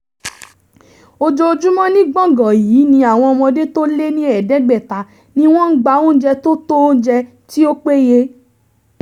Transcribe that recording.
Ojoojúmọ́ ní gbọ̀ngán yìí ni àwọn ọmọdé tó lé ní 500 ní wọn ń gba oúnjẹ tó tó oúnjẹ, tí ó péye.